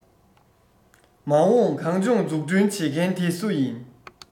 མ འོངས གངས ལྗོངས འཛུགས སྐྲུན བྱེད མཁན དེ སུ ཡིན